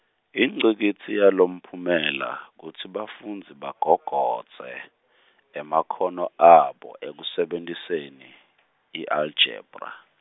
ingcikitsi yalomphumela, kutsi bafundzi bagogodze, emakhono abo ekusebentiseni , i aljebra.